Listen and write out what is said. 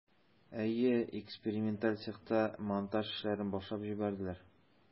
Әйе, эксперименталь цехта монтаж эшләрен башлап җибәрделәр.